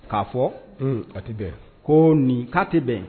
K'a fɔ un a tɛ bɛn ko nin' tɛ bɛn